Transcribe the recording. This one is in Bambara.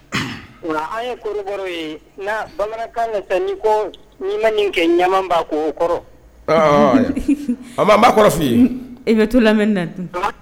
Ola an ye kɔrɔ ye bamanankan fɛ ko ma kɛ ɲa' kɔrɔ a ma kɔrɔ f fɔ i bɛ to lam na